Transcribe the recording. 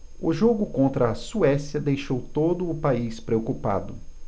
o jogo contra a suécia deixou todo o país preocupado